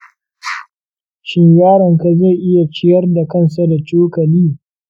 shin yaronka zai iya ciyar da kansa da cokali?